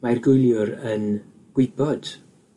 Mae'r gwyliwr yn gwybod